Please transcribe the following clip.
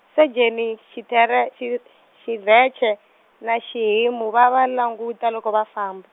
Sejeni Xitere- Xit- Xirheche na Xihimu va va languta loko va famba.